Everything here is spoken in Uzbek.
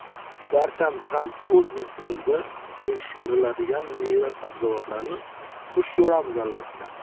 barchamiz ham o'z yurtimizda yetishtiriladigan meva sabzavotlarni xush ko'ramiz albatta